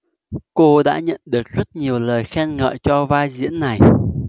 cô đã nhận được rất nhiều lời khen ngợi cho vai diễn này